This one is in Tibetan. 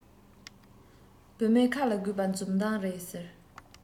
བུད མེད ཁ ལ དགོས པ འཛུམ མདངས ཟེར